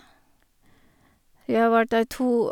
Jeg har vært der to...